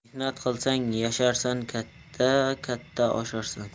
mehnat qilsang yasharsan katta katta osharsan